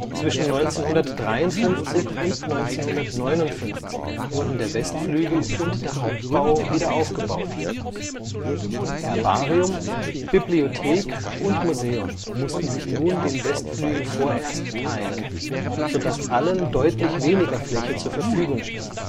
Zwischen 1953 und 1959 wurden der Westflügel und der Hauptbau wieder aufgebaut. Herbarium, Bibliothek und Museum mussten sich nun den Westflügel vorerst teilen, sodass allen deutlich weniger Fläche zur Verfügung stand